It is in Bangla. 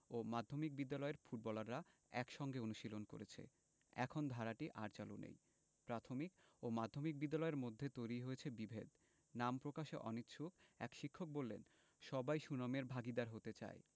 ও মাধ্যমিক বিদ্যালয়ের ফুটবলাররা একসঙ্গে অনুশীলন করেছে এখন ধারাটি আর চালু নেই প্রাথমিক ও মাধ্যমিক বিদ্যালয়ের মধ্যে তৈরি হয়েছে বিভেদ নাম প্রকাশে অনিচ্ছুক এক শিক্ষক বললেন সবাই সুনামের ভাগীদার হতে চায়